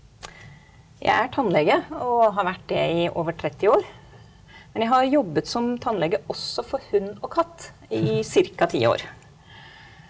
jeg er tannlege og har vært det i over 30 år, men jeg har jobbet som tannlege også for hund og katt i ca. ti år.